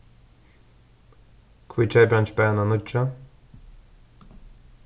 hví keypir hann ikki bara eina nýggja